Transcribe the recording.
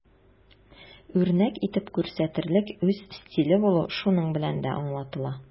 Үрнәк итеп күрсәтерлек үз стиле булу шуның белән дә аңлатыла.